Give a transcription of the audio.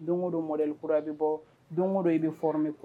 Don o don mɔdli kura a bɛ bɔ don o dɔ i bɛɔr min kɔ